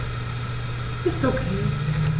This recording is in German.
Ist OK.